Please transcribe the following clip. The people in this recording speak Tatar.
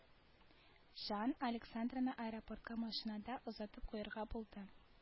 Жан александраны аэропортка машинада озатып куярга булды